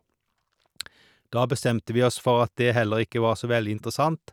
Da bestemte vi oss for at det heller ikke var så veldig interessant.